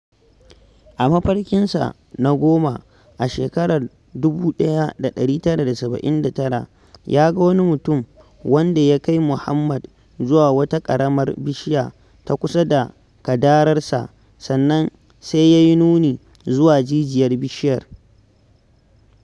A mafarkinsa na goma a shekarar 1979, ya ga wani mutum wanda ya kai Mohammad zuwa wata ƙaramar bishiya a kusa da kadararsa, sannan sai ya yi nuni zuwa jijiyar bishiyar.